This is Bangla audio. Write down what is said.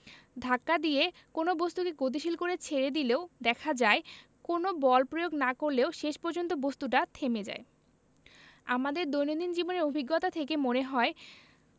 ধাক্কা দিয়ে কোনো বস্তুকে গতিশীল করে ছেড়ে দিলেও দেখা যায় কোনো বল প্রয়োগ না করলেও শেষ পর্যন্ত বস্তুটা থেমে যায় আমাদের দৈনন্দিন জীবনের অভিজ্ঞতা থেকে মনে হয়